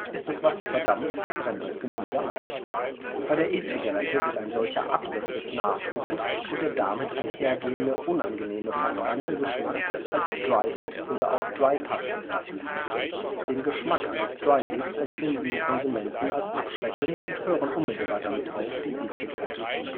das Wasser verdampft, brennt das Gemüse an. Bei der E-Zigarette wird ein solcher Abriss des Nachflusses und der damit einhergehende unangenehme, verbrannte Geschmack als Dry-Hit oder auch Dry-Puff bezeichnet. Den Geschmack eines Dry-Hits empfinden die Konsumenten als abschreckend und hören unmittelbar damit auf, die E-Zigarette zu